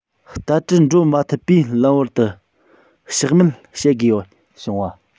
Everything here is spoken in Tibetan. རྟ དྲེལ འགྲོ མ ཐུབ པས ལམ བར དུ ཞག མལ བྱེད དགོས བྱུང བ